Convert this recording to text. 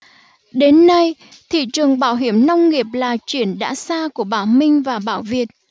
đến nay thị trường bảo hiểm nông nghiệp là chuyện đã xa của bảo minh và bảo việt